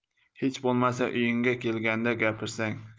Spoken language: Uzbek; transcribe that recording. hech bo'lmasa uyingga kelganda gapirsang